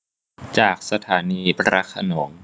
จากสถานีพระโขนง